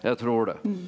jeg tror det.